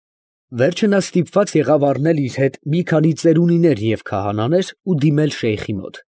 Վերջը նա ստիպված եղավ առնել իր հետ մի քանի ծերունիներ և քահանաներ ու դիմել շեյխի մոտ։